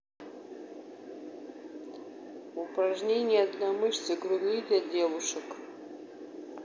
упражнения на мышцы груди для девушек